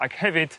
ag hefyd